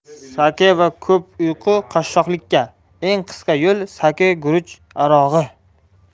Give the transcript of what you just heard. sake va ko'p uyqu qashshoqlikka eng qisqa yo'l sake guruch arog'i